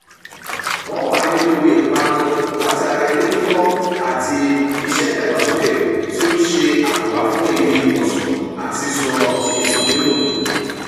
Wọ́n wà nínú ewu ìparun láti ara ilé kíkọ́ àti iṣẹ́ ìdàgbàsókè tí ó ń ṣe àkóbá fún ibi ìwọ̀sùn àti sísọ ibùgbé nú.